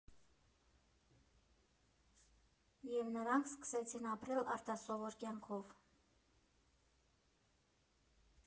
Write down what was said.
Եվ նրանք սկսեցին ապրել արտասովոր կյանքով։